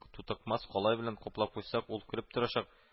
Тутыкмас калай белән каплап куйсак, ул көлеп торачак